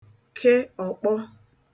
ke ọ̀kpọ